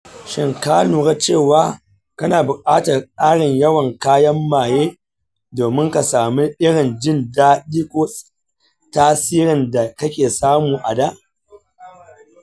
shin ka lura cewa kana buƙatar ƙarin yawan kayan maye domin ka sami irin jin daɗi ko tasirin da kake samu a da?